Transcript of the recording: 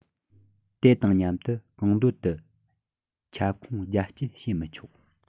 དེ དང མཉམ དུ གང འདོད དུ ཁྱབ ཁོངས རྒྱ བསྐྱེད བྱས མི ཆོག